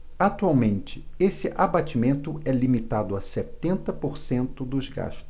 atualmente esse abatimento é limitado a setenta por cento dos gastos